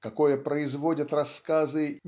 какое производят рассказы